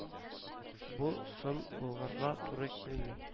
Бу сын болгарга туры килми